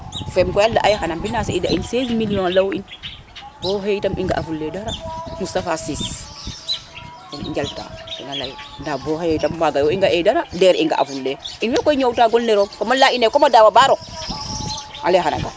Fem koy a ley aye xana mbinase i da in 16 millions ley in bo xay itam i nga a fule dara Moustapha cisse i njal ta tena ley nda bo xay itam i nga e dara Der i nga afule in oy koy ñow ta gon le roog comme leya ine comme a dawa bo rok ale xana gar